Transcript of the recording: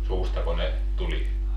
suustako ne tulee